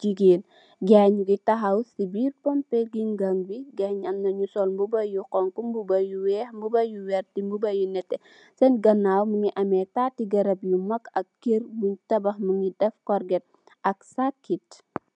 jegain gaye nuge tahaw se birr pompeh gegang be gaye amna nu sol muba yu xonxo muba yu weex muba yu werte muba yu neteh sen ganaw muge ameh tate garab yu mag ak kerr bun tabax muge def corget ak saked.